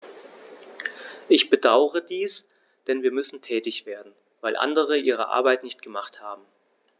Ich bedauere dies, denn wir müssen tätig werden, weil andere ihre Arbeit nicht gemacht haben.